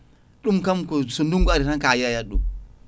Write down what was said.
ɗum kam ko so ndungu ari tan ka yeeyat ɗum